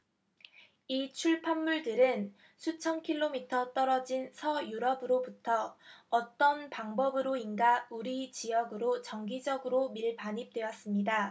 이 출판물들은 수천 킬로미터 떨어진 서유럽으로부터 어떤 방법으로인가 우리 지역으로 정기적으로 밀반입되었습니다